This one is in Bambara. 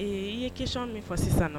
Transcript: Ee i ye question min fɔ sisannɔ